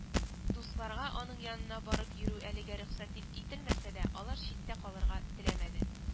Дусларга аның янына барып йөрү әлегә рөхсәт ителмәсә дә алар читтә калырга теләмәде